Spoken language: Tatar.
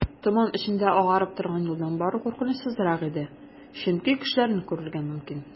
Томан эчендә агарып торган юлдан бару куркынычсызрак иде, чөнки кешеләрне күрергә мөмкин.